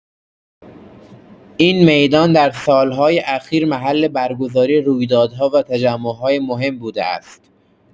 این میدان در سال‌های اخیر محل برگزاری رویدادها و تجمع‌های مهم بوده است.